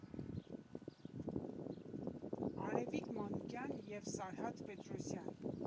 Արևիկ Մանուկյան և Սարհատ Պետրոսյան.